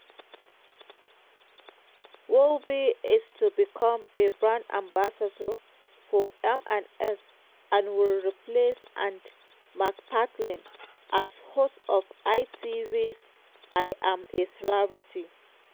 Willoughby is to become a brand ambassador for M&S and will replace Ant McPartlin as host of ITV's I'm A Celebrity.